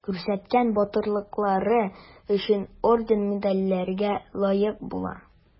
Күрсәткән батырлыклары өчен орден-медальләргә лаек була.